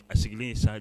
A sigilen ye sa